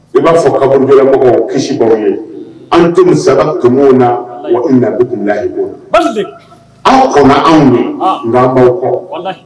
O b''a sɔr kaburujɛlamɔgɔw kidi bɛ aw ye, an denw sa la kɔmɔw la yan wa u mago tun bɛ yan, balliig aa nk'o ma an bin, nka an baw kɔ, wallahi